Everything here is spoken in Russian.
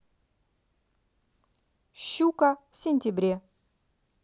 щука в сентябре